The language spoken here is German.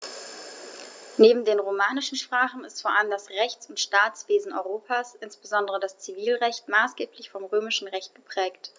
Neben den romanischen Sprachen ist vor allem das Rechts- und Staatswesen Europas, insbesondere das Zivilrecht, maßgeblich vom Römischen Recht geprägt.